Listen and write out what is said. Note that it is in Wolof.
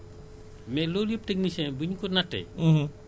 bu ñu xoolee rendement yi baykat yaa ngi gën di am jafe-jafe